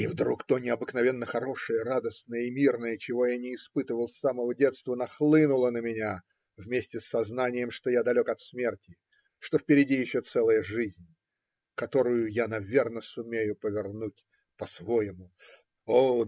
И вдруг то необыкновенно хорошее, радостное и мирное, чего я не испытывал с самого детства, нахлынуло на меня вместе с сознанием, что я далек от смерти, что впереди еще целая жизнь, которую я, наверно, сумею повернуть по-своему (о!